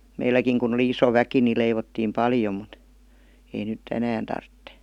meilläkin kun oli iso väki niin leivottiin paljon mutta ei nyt enää tarvitse